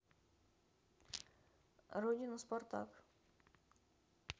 родина спартак